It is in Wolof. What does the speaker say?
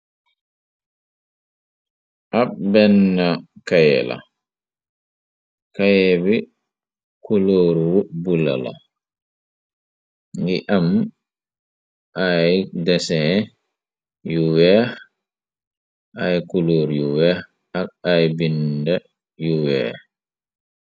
Ab benn kayé la kaye bi kulooru bulala ngi am ay desin yu weex ay kuloor yu weex ak ay binda yu weex.